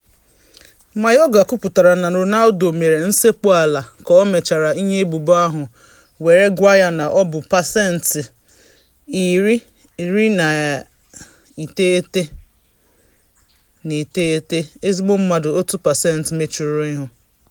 Mayorga kwuputara na Ronaldo mere nsekpu ala ka ọ mechara ihe ebubo ahụ were gwa ya na ọ bụ “pesentị 99” “ezigbo mmadụ” “ otu pesentị mechuru ihu.”